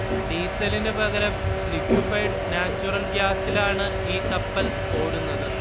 ഡീസലിന് പകരം liquefied natural ഗ്യാസിലാണ് ഈ കപ്പൽ ഓടുന്നത്